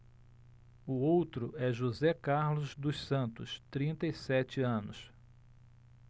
o outro é josé carlos dos santos trinta e sete anos